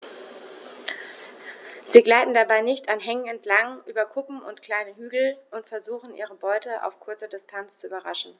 Sie gleiten dabei dicht an Hängen entlang, über Kuppen und kleine Hügel und versuchen ihre Beute auf kurze Distanz zu überraschen.